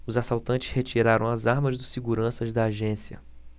os assaltantes retiraram as armas dos seguranças da agência